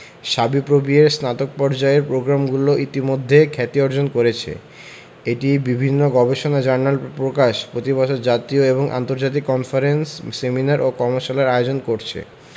সাবিপ্রবি এর স্নাতক পর্যায়ের প্রগ্রামগুলি ইতোমধ্যে খ্যাতি অর্জন করেছে এটি বিভিন্ন গবেষণা জার্নাল প্রকাশ প্রতি বছর জাতীয় এবং আন্তর্জাতিক কনফারেন্স সেমিনার এবং কর্মশালার আয়োজন করছে